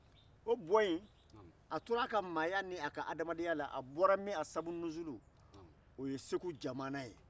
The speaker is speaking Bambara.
o bɔ in a tora a nka mɔgɔya ni a ka hadamadenya la a bɔra min a sabu nusulu o ye segu jamana ye